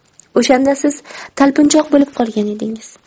o'shanda siz talpinchoq bo'lib qolgan edingiz